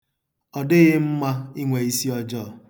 Ọ dịghị mma inwe isiọjọọ.